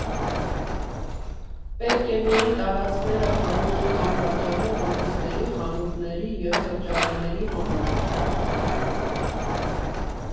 Պետք է միայն տարածքները հանձնել կամ վաճառել օֆիսների, խանութների և սրճարանների համար։